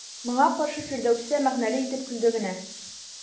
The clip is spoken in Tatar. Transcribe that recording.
Моңа каршы Фирдәүсә мәгънәле итеп көлде генә.